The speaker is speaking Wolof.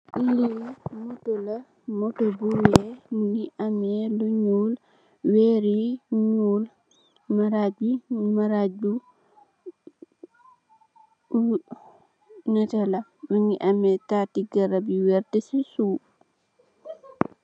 Li motoo la motoo bu wex mungi ame lu njul wer yu njul maragi bi mungi ame lu nete mungi ame tati garab yu wert ci soufe